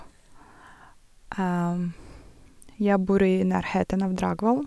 Jeg bor i nærheten av Dragvoll.